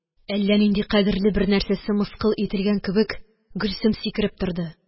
Әллә нинди кадерле бернәрсәсе мыскыл ителгән кебек, Гөлсем сикереп торды